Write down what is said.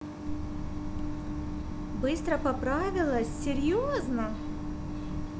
быстро поправилась серьезно